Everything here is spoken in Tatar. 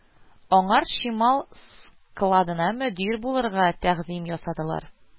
Аңар чимал складына мөдир булырга тәкъдим ясадылар